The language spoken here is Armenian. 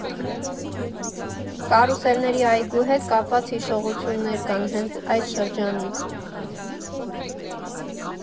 Կարուսելների այգու հետ կապված հիշողություններ կան հենց այդ շրջանից։